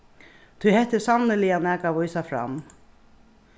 tí hetta er sanniliga nakað at vísa fram